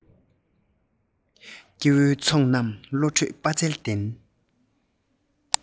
སྐྱེ བོའི ཚོགས རྣམས བློ གྲོས དཔའ རྩལ ལྡན